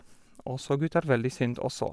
Og så, Gud er veldig sint også.